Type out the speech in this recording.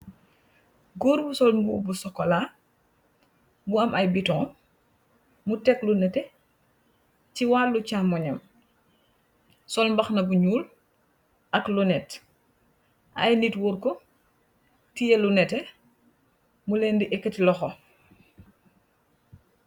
Góor bu sol mbuba bu am sokolaa, bu am ay biton. Mu teglu nete ci wàllu càmmoñam, sol mbaxna bu ñuul ak lu nette ay nit wër ko tiyelu nette mu len di ekkati loxo.